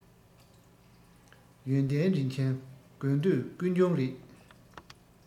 ཡོན ཏན རིན ཆེན དགོས འདོད ཀུན འབྱུང རེད